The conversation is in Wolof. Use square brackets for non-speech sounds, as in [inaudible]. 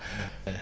[hesitation] [hesitation]